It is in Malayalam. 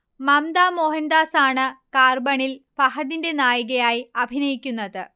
മംമ്ത മോഹൻദാസാണ് കാർബണിൽ ഫഹദിന്റെ നായികയായി അഭിനയിക്കുന്നത്